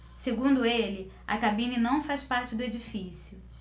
segundo ele a cabine não faz parte do edifício